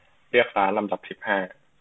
เลือกร้านลำดับสิบห้า